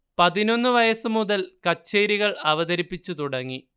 പതിനൊന്ന് വയസ്സു മുതൽ കച്ചേരികൾ അവതരിപ്പിച്ചു തുടങ്ങി